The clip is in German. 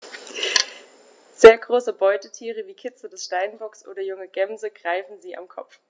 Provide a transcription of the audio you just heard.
Sehr große Beutetiere wie Kitze des Steinbocks oder junge Gämsen greifen sie am Kopf.